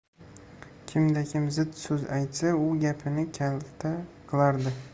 kimda kim zid so'z aytsa u gapini kalta qilardi